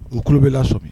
U tulo bɛ lasɔ